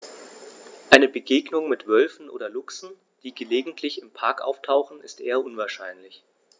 Eine Begegnung mit Wölfen oder Luchsen, die gelegentlich im Park auftauchen, ist eher unwahrscheinlich.